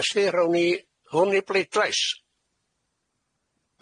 Felly rown ni hwn i bleidlais.